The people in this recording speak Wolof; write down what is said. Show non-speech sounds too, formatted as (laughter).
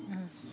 (hesitation) (hesitation)